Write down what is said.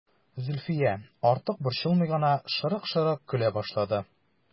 Зөлфия, артык борчылмый гына, шырык-шырык көлә башлады.